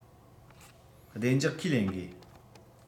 བདེ འཇགས ཁས ལེན དགོས